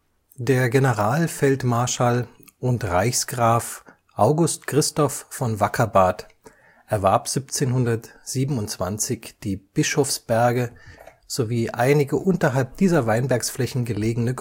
Der Generalfeldmarschall und Reichsgraf August Christoph von Wackerbarth erwarb 1727 die Bischofsberge sowie einige unterhalb dieser Weinbergsflächen gelegene